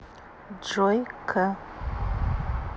joy к